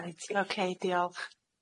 Reit oce diolch.